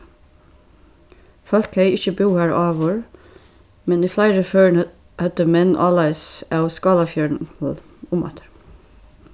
fólk hevði ikki búð har áður men í fleiri førum høvdu menn áleiðis av skálafjørðinum umaftur